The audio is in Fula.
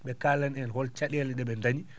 ?e kaalana en hol ca?eele ?e ?e ndañi